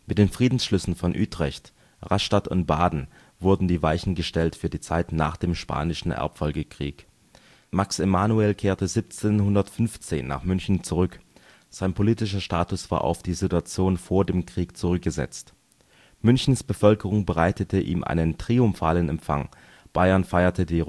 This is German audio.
den Friedensschlüssen von Utrecht, Rastatt und Baden wurden die Weichen gestellt für die Zeit nach dem Spanischen Erbfolgekrieg. Max Emanuel kehrte 1715 nach München zurück, sein politischer Status war auf die Situation vor dem Krieg zurückgesetzt. Münchens Bevölkerung bereitete ihm einen triumphalen Empfang, Bayern feierte die